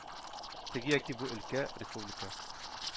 Теге яки бу өлкә, республика,